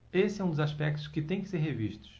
esse é um dos aspectos que têm que ser revistos